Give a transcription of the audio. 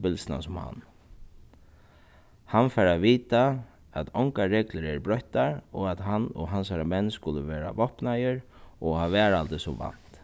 bilsnan sum hann hann fær at vita at ongar reglur eru broyttar og at hann og hansara menn skulu vera vápnaðir og á varðhaldi sum vant